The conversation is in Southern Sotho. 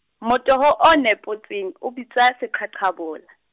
motoho o nepotsweng o bitswa seqhaqhabola.